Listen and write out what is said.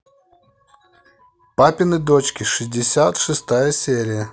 папины дочки шестьдесят шестая серия